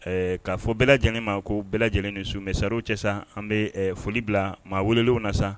Ɛɛ k'a fɔ bɛɛ lajɛlen ma ko bɛɛ lajɛlen ni su mɛ sariw cɛ san an bɛ foli bila maa wele na sa